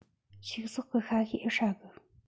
ཕྱུགས ཟོག གི ཤ ཤེད ཨེ ཧྲ གི